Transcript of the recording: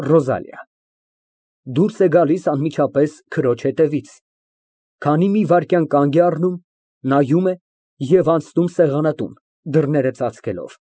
ՌՈԶԱԼԻԱ ֊ (Դուրս է գալիս անմիջապես քրոջ հետևից, քանի մի վայրկյան կանգ է առնում, նայում է և անցնում սեղանատուն, դռները ծածկելով)։